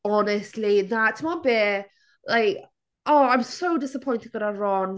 Honestly na timod be? Like oh I'm so disappointed gyda Ron.